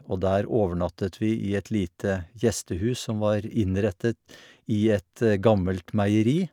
Og der overnattet vi i et lite gjestehus som var innrettet i et gammelt meieri.